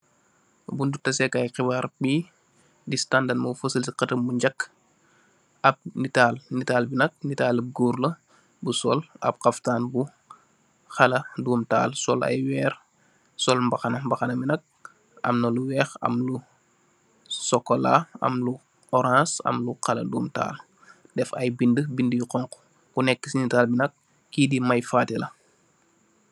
Buntu tasex kai xibaar bi di standard mo fesal si xetam bu ngeh ka am netal netali bi nak netali goor la bu sol ap xaftan bu xala domitaal sol ay werr sol mbahana mbahana bi nak amna lu weex am lu cxocola am lu orance am lu xala domitaal def ay binda binda yu xonxu ko neka si netal bi nak kee di Mai Fatty la.